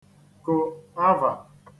gụ̀ avà